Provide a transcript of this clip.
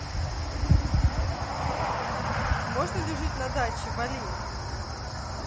можно ли жить на даче вали